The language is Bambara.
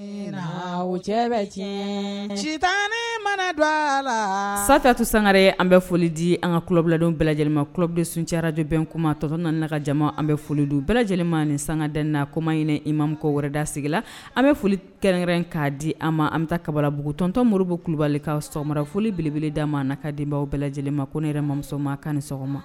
Cɛ tiɲɛ cita mana don a la sata tu sangaɛrɛ an bɛ foli di an ka kubiladenw bɛɛ lajɛlenma kubden suncɛyarajɔbɛn kumama tɔtɔ nana na jama an bɛ foli don bɛɛ lajɛlenma nin sangad na koma ɲini i ma wɛrɛda sigi la an bɛ foli kɛrɛnkɛrɛn k kaa di an ma an bɛ taa kabaugutɔntɔ moribu kubali ka sora foli beleb da ma n' ka denbaw bɛɛ lajɛlen ma ko ne ni yɛrɛ mamuso ma kan ni sɔgɔma